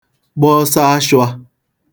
gba ọsọashwā